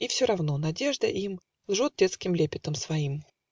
И все равно: надежда им Лжет детским лепетом своим.